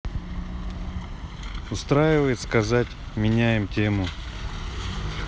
устраивает сказать меняем тему